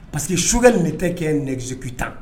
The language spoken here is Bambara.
Parce que sukɛ de tɛ kɛ nɛgɛzku tan